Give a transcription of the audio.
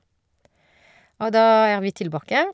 Og da er vi tilbake.